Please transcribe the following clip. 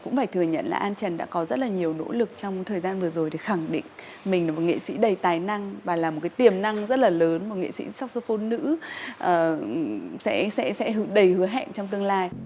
cũng phải thừa nhận là an trần đã có rất là nhiều nỗ lực trong thời gian vừa rồi để khẳng định mình là một nghệ sĩ đầy tài năng và là một cái tiềm năng rất là lớn mà nghệ sĩ sắc xô phôn nữ sẽ sẽ sẽ đầy hứa hẹn trong tương lai